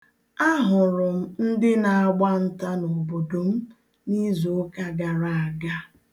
Ahụrụ m ndị na-agba nta n'obodo m na izu ụka gara aga.